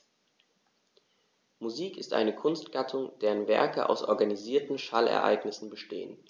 Musik ist eine Kunstgattung, deren Werke aus organisierten Schallereignissen bestehen.